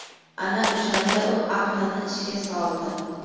ana o'shanda u aqlini ishga soldi